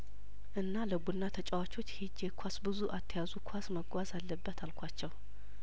እና ለቡና ተጫዋቾች ሂጄ ኳስ ብዙ አትያዙ ኳስ መጓዝ አለበት አልኳቸው